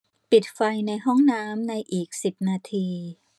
ปิดไฟในห้องน้ำในอีกสิบนาที